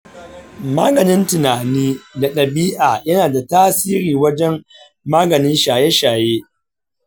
maganin tunani da ɗabi’a yana da tasiri wajen maganin shaye-shaye.